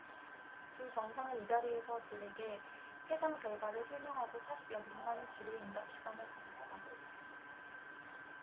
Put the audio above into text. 두 정상은 이 자리에서 들에게 회담 결과를 설명하고 사십 여분간 질의응답 시간을 가졌다